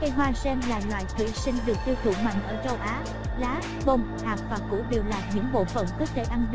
cây hoa sen là loại thủy sinh được tiêu thụ mạnh ở châu á lá bông hạt và củ đều là những bộ phận có thể ăn được